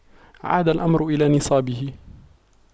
عاد الأمر إلى نصابه